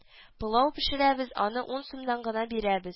Пылау пешерәбез аны ун сумнан гына бирәб